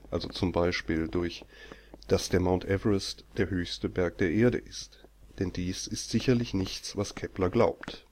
also z. B. durch „ dass der Mount Everest der höchste Berg der Erde ist “, denn dies ist sicherlich nichts, was Kepler glaubt